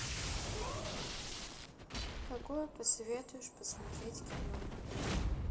какое посоветуешь посмотреть кино